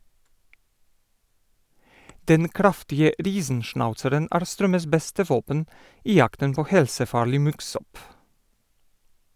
Den kraftige riesenschnauzeren er Strømmes beste våpen i jakten på helsefarlig muggsopp.